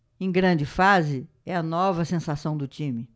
em grande fase é a nova sensação do time